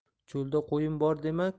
cho'lda qo'yim bor dema